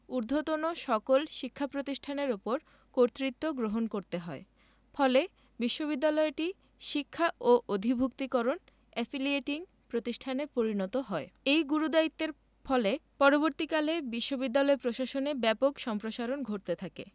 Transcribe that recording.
ঊধ্বর্তন সকল শিক্ষা প্রতিষ্ঠানের ওপর কর্তৃত্ব গ্রহণ করতে হয় ফলে বিশ্ববিদ্যালয়টি শিক্ষা ও অধিভূক্তিকরণ এফিলিয়েটিং প্রতিষ্ঠানে পরিণত হয় এ গুরুদায়িত্বের ফলে পরবর্তীকালে বিশ্ববিদ্যালয় প্রশাসনে ব্যাপক সম্প্রসারণ ঘটতে থাকে